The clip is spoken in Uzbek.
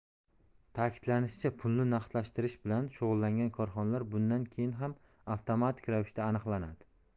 ta'kidlanishicha pulni naqdlashtirish bilan shug'ullangan korxonalar bundan keyin ham avtomatik ravishda aniqlanadi